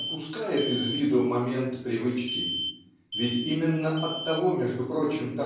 упускает из виду момент привычки. Ведь именно оттого между прочим